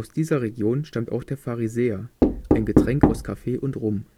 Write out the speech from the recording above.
dieser Region stammt auch der Pharisäer, ein Getränk aus Kaffee und Rum